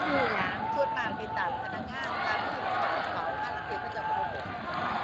รู้หยัง ส่วนมากเฮ็ดตามพนักงาน ถ้ามีรู้ถามเขา ห่าลางเที่ยเขาเจ้ารู้บ่บอก